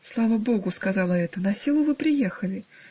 "Слава богу, -- сказала эта, -- насилу вы приехали.